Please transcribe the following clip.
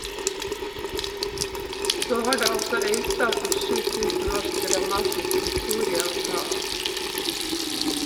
Så har da også øystaten 7000 års dramatisk historie å ta av.